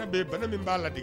Min b'a lade